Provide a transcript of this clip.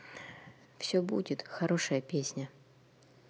все будет хорошая песня